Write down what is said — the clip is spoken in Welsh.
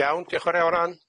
Iawn diolch yn fowr iawn Ann.